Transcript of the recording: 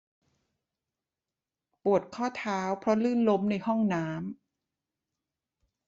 ปวดข้อเท้าเพราะลื่นล้มในห้องน้ำ